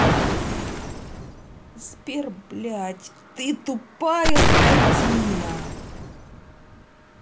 сбер блядь ты тупая скотина